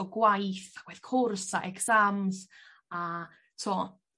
o gwaith gwaith cwrs a exams a t'mo'?